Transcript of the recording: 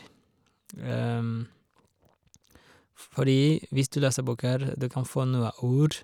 f Fordi hvis du leser bøker, du kan få noe ord.